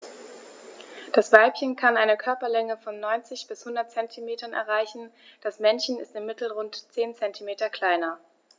Das Weibchen kann eine Körperlänge von 90-100 cm erreichen; das Männchen ist im Mittel rund 10 cm kleiner.